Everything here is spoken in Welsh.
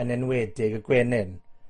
Yn enwedig y gwenyn.